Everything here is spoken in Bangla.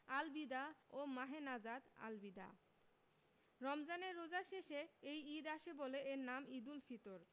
আল বিদা ওহঃ মাহে নাজাত আল বিদা রমজানের রোজার শেষে এই ঈদ আসে বলে এর নাম ঈদুল ফিতর